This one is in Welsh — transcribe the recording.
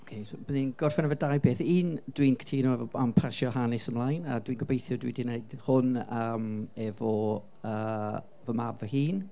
Ocê so bydden i'n gorffen efo dau beth. Un, dwi'n cytuno efo... am pasio hanes ymlaen, a dwi'n gobeithio dwi 'di wneud hwn yym efo yy fy mab fy hun.